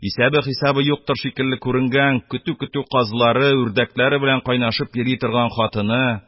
Исәбе-хисабы юктыр шикелле күренгән, көтү-көтү казлары, үрдәкләре белән кайнашып йөри торган хатыны...